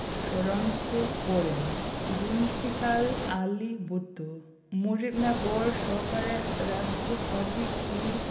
ষড়যন্ত্র করেন উত্তরঃ জুলফিকার আলী ভুট্ট মুজিবনগর সরকারের রাষ্ট্রপতি কে